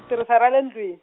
tirhisa ra le ndlwini.